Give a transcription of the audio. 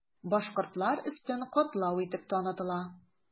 Башкортлар өстен катлау итеп танытыла.